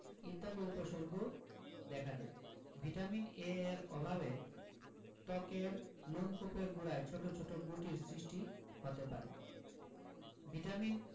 ইত্যাদি উপসর্গও দেখা দেয় ভিটামিন A এর অভাবে ত্বকের লোমকূপের গোড়ায় ছোট ছোট গুটির সৃষ্টি হতে পারে ভিটামিন